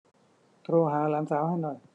โทรหาหลานสาวให้หน่อย